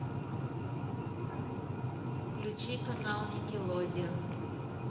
включи канал никелодеон